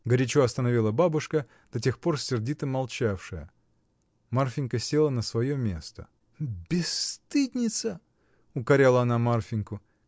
— горячо остановила бабушка, до тех пор сердито молчавшая. Марфинька села на свое место. — Бесстыдница! — укоряла она Марфиньку.